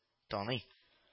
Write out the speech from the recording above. Таный